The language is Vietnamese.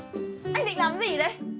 anh định làm cái gì đấy